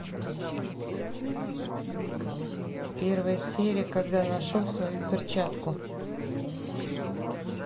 первая серия когда нашел свою перчатку